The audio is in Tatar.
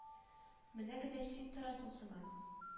Менә генә син торасың сыман